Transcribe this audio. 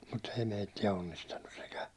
mutta ei meitä onnistanut sekään